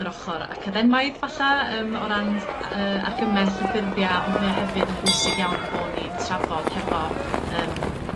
yr ochor academaidd falla yym o ran a- yy argymell y ffurfia' ond mae o hefyd yn bwysig iawn 'yn bod ni'n trafod hefo yym